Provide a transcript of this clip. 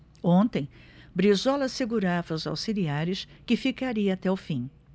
ontem brizola assegurava aos auxiliares que ficaria até o fim